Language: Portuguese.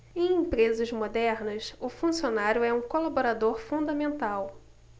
em empresas modernas o funcionário é um colaborador fundamental